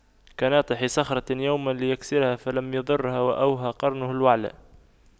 كناطح صخرة يوما ليكسرها فلم يضرها وأوهى قرنه الوعل